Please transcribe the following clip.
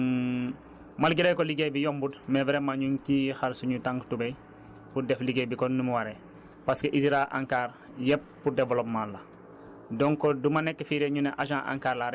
donc saytu boobu DG malgré que liggéey bi yombut mais vraiment ñu ngi ciy xar suñuy tànku tubéy pour def liggéey bi comme ni mu waree parce que ISRA ANCAR yépp pour développement la